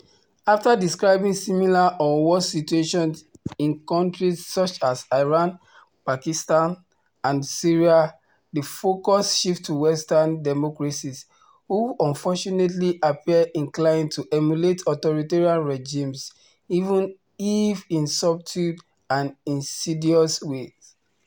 After describing similar (or worse) situations in countries such as Iran, Pakistan and Syria, the focus shifts to Western democracies — who unfortunately appear inclined to emulate authoritarian regimes, even if in subtle and insidious ways.